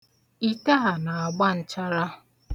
Ite a na-agba nchara.